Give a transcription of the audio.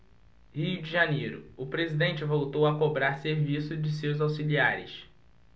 rio de janeiro o presidente voltou a cobrar serviço de seus auxiliares